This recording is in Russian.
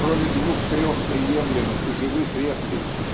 кроме двух-трех приемлемых и живых реплик